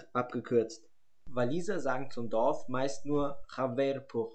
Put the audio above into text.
abgekürzt. Waliser sagen zum Dorf meist nur Llanfairpwll